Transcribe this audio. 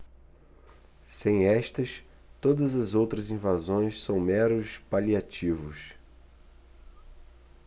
sem estas todas as outras invasões são meros paliativos